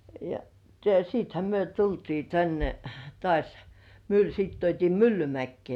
ja sittenhän me tultiin tänne taas - sitten tuotiin Myllymäkeen